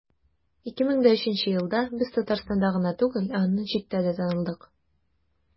2003 елда без татарстанда гына түгел, ә аннан читтә дә танылдык.